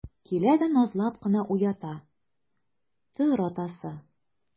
Килә дә назлап кына уята: - Тор, атасы!